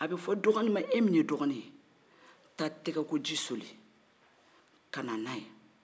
a bɛ fɔ dɔgɔni ma e min ye dɔgɔni ye taa tɛgɛkoji cɛ ka na n'a ye